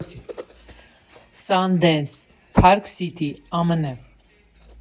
Սանդենս, Փարք Սիթի, ԱՄՆ։